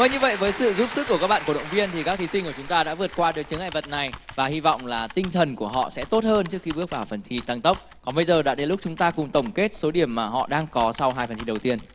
vâng như vậy với sự giúp sức của các bạn cổ động viên thì các thí sinh của chúng ta đã vượt qua được chướng ngại vật này và hy vọng là tinh thần của họ sẽ tốt hơn trước khi bước vào phần thi tăng tốc còn bây giờ đã đến lúc chúng ta cùng tổng kết số điểm mà họ đang có sau hai phần thi đầu tiên